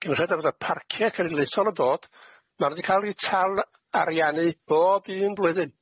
cynred y parcie cenedlitol y bod ma' nw di ca'l i tal- ariannu bob un blwyddyn.